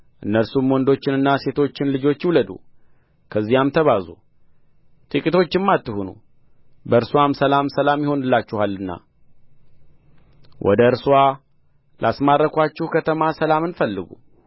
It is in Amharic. እነርሱም ወንዶችንና ሴቶችን ልጆች ይውለዱ ከዚያም ተባዙ ጥቂቶችም አትሁኑ በእርስዋ ሰላም ሰላም ይሆንላችኋልና ወደ እርስዋ ላስማርክኋችሁ ከተማ ሰላምን ፈልጉ